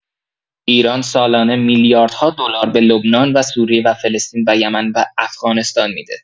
ایران سالانه میلیاردها دلار به لبنان و سوریه و فلسطین و یمن و افغانستان می‌ده